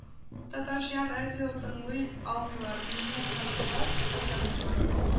Татарча радио тыңлый алмыйлар, милли матбугат алдырмыйлар